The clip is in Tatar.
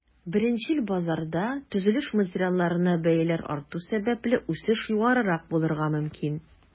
Беренчел базарда, төзелеш материалларына бәяләр арту сәбәпле, үсеш югарырак булырга мөмкин.